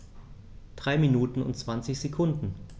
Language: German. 3 Minuten und 20 Sekunden